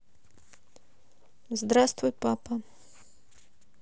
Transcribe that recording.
здравствуй папа